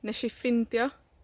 Nesh i ffindio